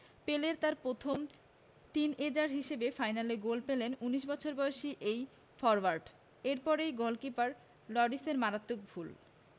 পেলের পর প্রথম টিনএজার হিসেবে ফাইনালে গোল পেলেন ১৯ বছর বয়সী এই ফরোয়ার্ড এরপরই গোলকিপার লরিসের মারাত্মক ভুল